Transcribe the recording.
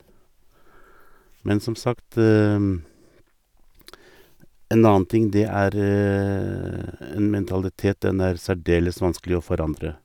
Men som sagt, en annen ting det er, en mentalitet, den er særdeles vanskelig å forandre.